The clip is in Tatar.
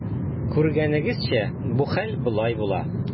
Күргәнегезчә, бу хәл болай була.